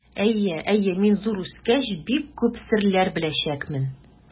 Әйе, әйе, мин, зур үскәч, бик күп серләр беләчәкмен.